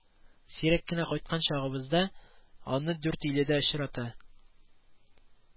Сирәк кенә кайткан чагыбызда аны Дүртөйледә очрата